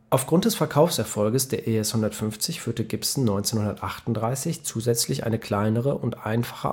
Aufgrund des Verkaufserfolges der ES-150 führte Gibson 1938 zusätzlich eine kleinere und einfacher